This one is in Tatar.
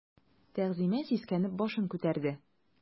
Тәгъзимә сискәнеп башын күтәрде.